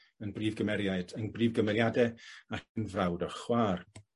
yn brif gymeriaid yn brif gymeriade, ac yn frawd a chwa'r.